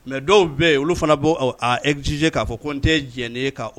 Mais dɔw bɛ yen olu fana b'o a exiger k'a fɔ ko n tɛ diɲɛ n'e ka